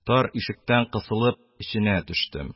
Тар тишектән кысылып эченә төштем.